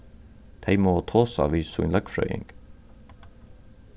tey mugu tosa við sín løgfrøðing